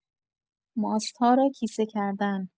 ماست‌ها را کیسه کردن